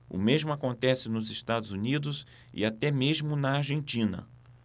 o mesmo acontece nos estados unidos e até mesmo na argentina